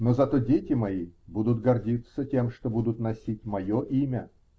Но зато дети мои будут гордиться тем, что будут носить мое имя.